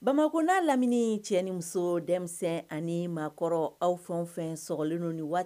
Bamakɔda lamini in cɛ ni muso denmisɛnnin ani maakɔrɔ aw fɛn fɛn slenw